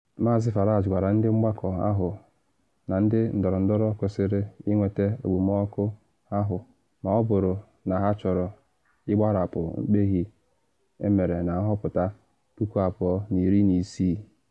Maazị Farage gwara ndị mgbakọ ahụ na ndị ndọrọndọrọ kwesịrị “ịnweta okpomọkụ ahụ’ ma ọ bụrụ na ha chọrọ ịgbarapụ mkpebi emere na nhọpụta 2016.